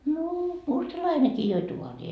no mustalainenkin joi taaria